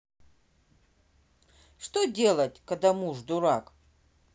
что делать когда муж дурак